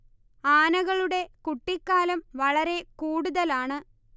ആനകളുടെ കുട്ടിക്കാലം വളരെ കൂടുതലാണ്